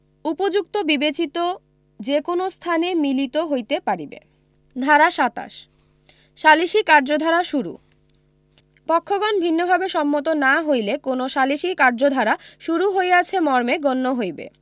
উপযুক্ত বিবেচিত যে কোন স্থানে মিলিথ হইতে পারিবে ধারা ২৭ সালিসী কার্যধারা শুরু পক্ষগণ ভিন্নভাবে সম্মত না হইলে কোন সালিসী কার্যধারা শুরু হইয়াছে মর্মে গণ্য হইবে